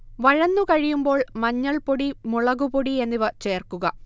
വഴന്നു കഴിയുമ്പോൾ മഞ്ഞൾപ്പൊടി, മുളക്പൊടി എന്നിവ ചേർക്കുക